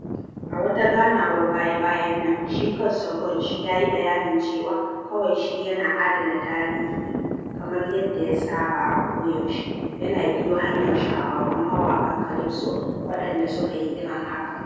A wata ganawar baya-bayan nan, shi kansa George ya yi bayanin cewa kawai shi yana "adana tarihi" ne kamar yadda ya saba "a koyaushe" yana biyo hanyar shahararrun mawaƙan calypso waɗanda suka yi irin hakan.